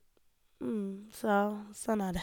Så, sånn er det.